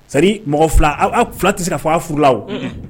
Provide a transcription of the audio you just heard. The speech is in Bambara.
C'est à dire mɔgɔ 2 aw aw 2 te se ka fɔ aw furula o un un